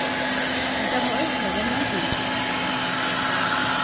mær dámar eisini at renna ein túr